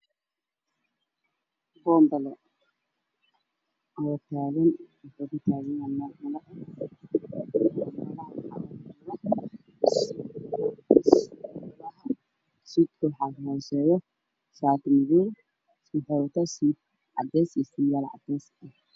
Waxaa ii muuqda boombalo midabkiisii haye caddaan caddaysuud midkiisu yahay caddeys caddaan